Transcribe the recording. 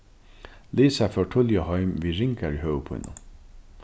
lisa fór tíðliga heim við ringari høvuðpínu